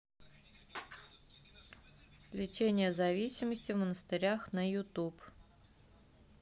лечение зависимости в монастырях на ютуб